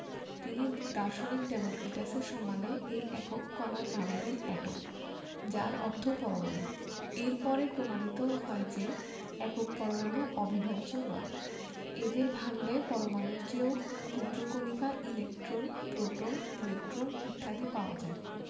তিনি দার্শনিক ডেমোক্রিটাসের সম্মানে এ একক কণার নাম দেন এটম যার অর্থ পরমাণু এর পরে প্রমাণিত হয় যে একক পরমাণু অবিভাজ্য নয় এদের ভাঙলে পরমাণুর চেয়েও ক্ষুদ্র কণিকা ইলেকট্রন প্রোটন নিউট্রন ইত্যাদি পাওয়া যায়